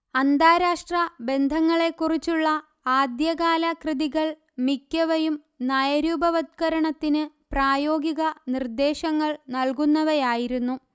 അന്താരാഷ്ട്രബന്ധങ്ങളെക്കുറിച്ചുള്ള ആദ്യകാലകൃതികൾ മിക്കവയും നയരൂപവത്കരണത്തിന് പ്രായോഗിക നിർദ്ദേശങ്ങൾ നൽകുന്നവയായിരുന്നു